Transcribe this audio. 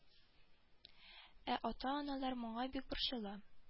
Ә ата-аналар моңа бик борчыла